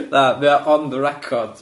Na, mae o on the record.